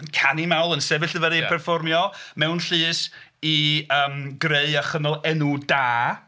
Yn canu mawl, yn sefyll i fyny... ia. ...perfformio mewn llys i yym greu a chynnal enw da.